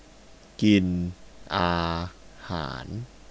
กินอาหาร